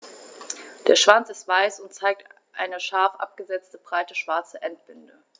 Der Schwanz ist weiß und zeigt eine scharf abgesetzte, breite schwarze Endbinde.